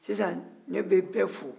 ne bɛ bɛɛ fo